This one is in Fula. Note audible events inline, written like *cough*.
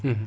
*hesitation* *hesitation*